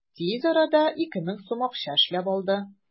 Тиз арада 2000 сум акча эшләп алды.